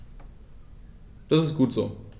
Das ist gut so.